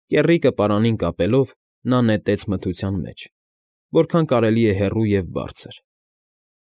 Կեռիկը պարանին կապելով՝ նա նետեց մթության մեջ, որքան կարելի է հեռու և բարձր։